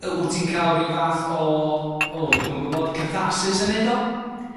yy wt ti'n ca'l rhyw fath o, o dwi'm yn gwbod, catharsis yn neud o?